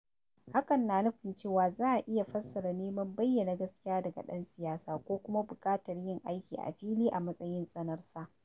Hakan na nufin cewa za a iya fassara neman bayyana gaskiya daga ɗan siyasa ko kuma buƙatar yin aiki a fili a matsayin tsanarsa.